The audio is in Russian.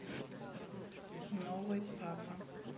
новый папа